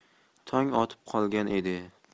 tong otib qolgan edi